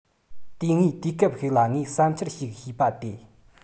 དེ སྔའི དུས སྐབས ཤིག ལ ངས བསམ འཆར ཞིག ཞུས པ སྟེ